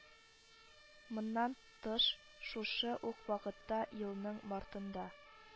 Моннан тыш, шушы ук вакытта, елның мартында